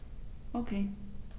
Okay.